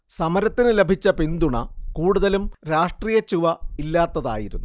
സമരത്തിന് ലഭിച്ച പിന്തുണ കൂടുതലും രാഷ്ട്രീയച്ചുവ ഇല്ലാത്തതായിരുന്നു